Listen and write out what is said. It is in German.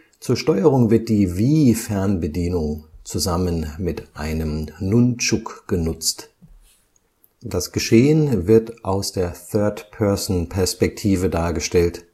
Zur Steuerung wird die Wii-Fernbedienung zusammen mit einem Nunchuk genutzt. Das Geschehen wird aus der Third-Person-Perspektive dargestellt